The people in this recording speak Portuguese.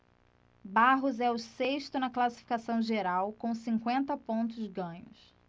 barros é o sexto na classificação geral com cinquenta pontos ganhos